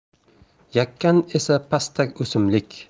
yakan esa pastak o'simlik